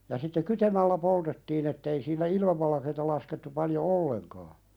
ja sitten kytemällä poltettiin että ei siinä ilmivalkeaa laskettu paljon ollenkaan